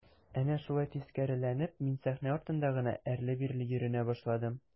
Әнә шулай тискәреләнеп мин сәхнә артында гына әрле-бирле йөренә башладым.